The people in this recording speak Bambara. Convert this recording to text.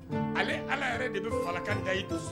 Ale ala de bɛ kan